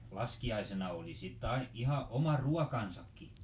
no laskiaisena oli sitten aina ihan oma ruokansakin